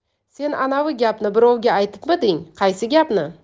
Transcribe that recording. sen anavi gapni birovga aytibmiding qaysi gapni